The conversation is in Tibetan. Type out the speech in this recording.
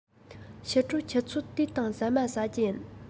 ཕྱི དྲོར ཆུ ཚོད དུའི སྟེང ཟ མ ཟ རྒྱུ ཡིན